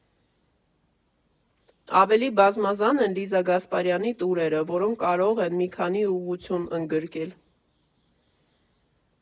Ավելի բազմազան են Լիզա Գասպարյանի տուրերը, որոնք կարող են մի քանի ուղղվածություն ընդգրկել։